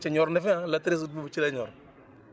te ñor na fi ah le treize août boobu ci la ñor